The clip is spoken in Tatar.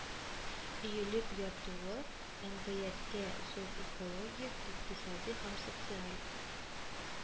Өелеп ятуы әмгыятькә зур экологик, икътисади һәм социаль